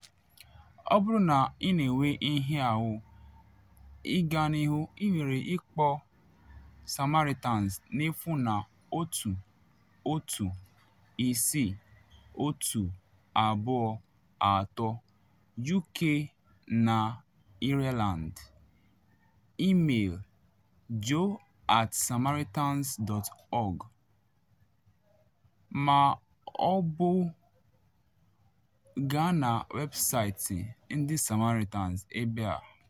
Ọ bụrụ na ị na enwe nhịahụ ịga n’ihu, ị nwere ike ịkpọ Samaritans n’efu na 116 123 (UK and Ireland), email jo@samaritans.org, ma ọ bụ gaa na weebụsaịtị ndị Samaritans ebe a.